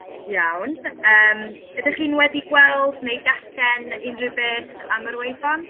Iawn yym ydych chi'n wedi gweld neu dallen unrhyw beth am yr weifan?